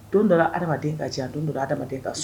Don dɔ adamadamaden ka jɛ a don don ha adamadamaden ka so